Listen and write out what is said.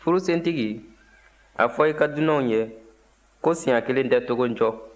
furusentigi a fɔ i ka dunanw ye ko siɲɛ kelen tɛ togo ncɔ